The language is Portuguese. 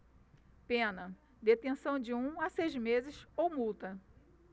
pena detenção de um a seis meses ou multa